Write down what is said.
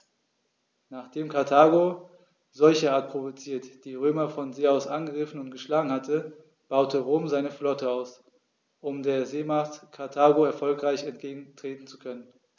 Nachdem Karthago, solcherart provoziert, die Römer von See aus angegriffen und geschlagen hatte, baute Rom seine Flotte aus, um der Seemacht Karthago erfolgreich entgegentreten zu können.